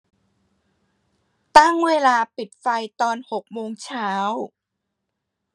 ตั้งเวลาปิดไฟตอนหกโมงเช้า